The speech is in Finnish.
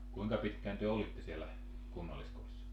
kuinka pitkään te olitte siellä kunnalliskodissa